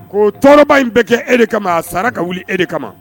Ko tɔɔrɔba in bɛ kɛ e de kama a sara ka wuli e de kama